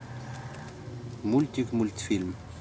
мультик мультфильм